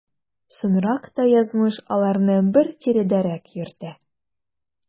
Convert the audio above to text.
Соңрак та язмыш аларны бер тирәдәрәк йөртә.